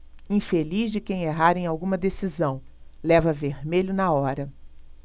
infeliz de quem errar em alguma decisão leva vermelho na hora